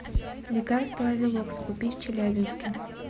лекарство авелокс купить в челябинске